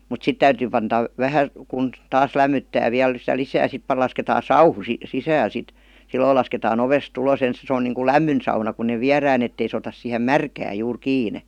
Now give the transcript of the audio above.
silloin lasketaan ovesta ulos ensin se on niin kuin lämmin sauna kun ne viedään että ei se ota siihen märkään juuri kiinni